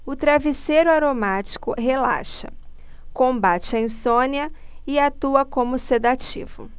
o travesseiro aromático relaxa combate a insônia e atua como sedativo